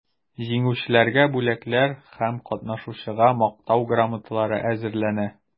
Җиңүчеләргә бүләкләр, һәр катнашучыга мактау грамоталары әзерләнә.